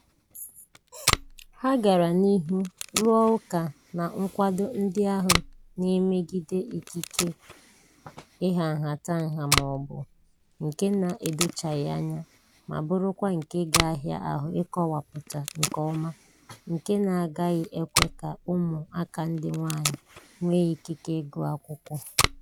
Ha gara n'ihu rụọ ụka na ndokwa ndị ahụ na-emegide ikike ịha nhatanha ma ha bụ nke na-edochaghị anya ma bụrụkwa nke ga-ahịa ahụ ịkọwapụta nke ọma nke na-agaghị ekwe ka ụmụaka ndị nwaanyị nwee ikike ịgụ akwụkwọ.